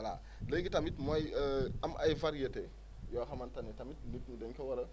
voilà léegi tamit mooy am ay variétés yoo xamante ne tamit dañ ko war a